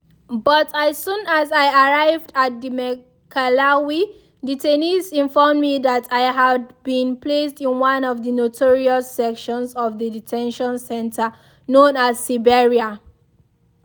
But as soon as I arrived at Maekelawi, detainees informed me that I had been placed in one of the notorious sections of the detention center, known as “Siberia”.